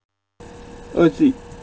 ཨ ཙི